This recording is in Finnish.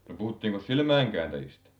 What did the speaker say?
no puhuttiinkos silmäin kääntäjistä